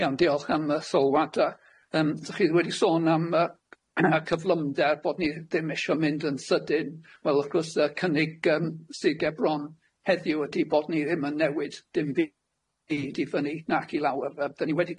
Iawn diolch am y sylwadau yym dach chi wedi sôn am yy cyflymder bod ni ddim isio mynd yn sydyn wel wrth gwrs yy cynnig yym sy ger bron heddiw ydi bod ni ddim yn newid dim byd i fynnu nac i lawr yy dan ni wedi